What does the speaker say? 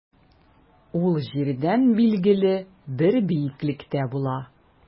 Ул җирдән билгеле бер биеклектә була.